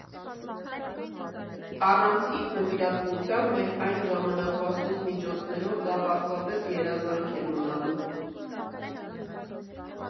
Առանց իր նվիրատվության մեր այն ժամանակվա սուղ միջոցներով դա պարզապես երազանք էր մնալու։